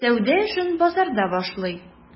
Сәүдә эшен базарда башлый.